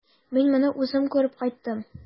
Мин моны үзем күреп кайттым.